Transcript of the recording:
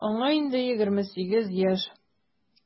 Аңа инде 28 яшь.